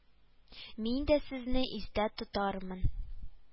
Мин дә сезне истә тотармын